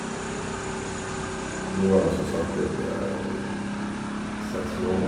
Nå har han som sagt blitt seks måneder.